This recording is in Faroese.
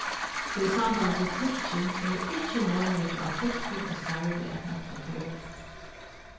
í samband við tulking eru ikki nóg mikið av tulkum í starvi at nøkta tørvin